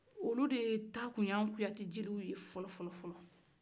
olu de ta tun ye kayate jeliw ye fɔlɔfɔlɔ